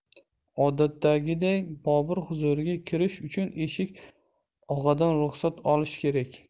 odatdagiday bobur huzuriga kirish uchun eshik og'adan ruxsat olish kerak